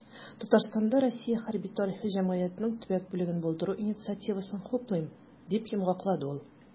"татарстанда "россия хәрби-тарихи җәмгыяте"нең төбәк бүлеген булдыру инициативасын хуплыйм", - дип йомгаклады ул.